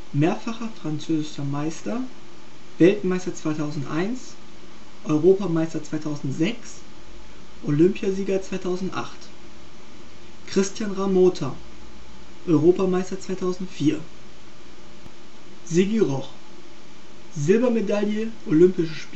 mehrfacher französischer Meister, Weltmeister 2001, Europameister 2006, Olympiasieger 2008) Christian Ramota (Europameister 2004) Sigi Roch (Silbermedaille Olympische